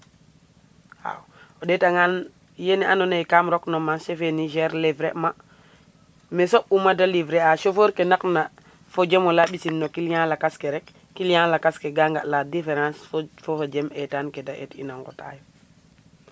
Waw o ɗeetangaan yene andoona ye kaam rok no marchée fe Niger livrer ma me soɓ'uma da livrer a chauffeur ke naqna fo jem ole a ɓisin no client lakas ke rek client lakas ke ga nga la difference fo fo jem eetan ke da eet'ina nqotaayo.